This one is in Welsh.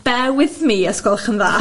bare with me os gwelwch yn dda